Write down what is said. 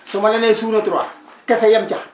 su ma la nee Suuna 3 kese yem sa